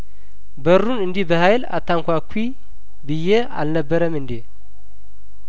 በሩን እንዲህ በሀይል አታንኳኲ ብዬ አልነበረም እንዴ